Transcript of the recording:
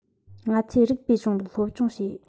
ང ཚོས རིགས པའི གཞུང ལུགས སློབ སྦྱོང བྱེད